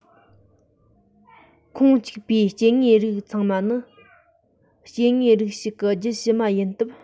ཁོངས གཅིག པའི སྐྱེ དངོས རིགས ཚང མ ནི སྐྱེ དངོས རིགས ཤིག གི རྒྱུད ཕྱི མ ཡིན སྟབས